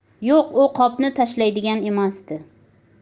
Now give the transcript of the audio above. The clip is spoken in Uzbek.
yo'q u qopni tashlaydigan emasdi